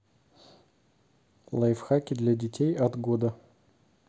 лайфхаки для детей от года